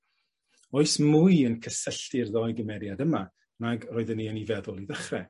Oes mwy yn cysylltu'r ddou gymeriad yma nag roedden ni yn 'i feddwl i ddechre?